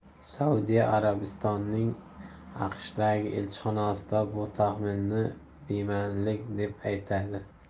saudiya arabistonining aqshdagi elchixonasi bu taxminini be'manilik deb atadi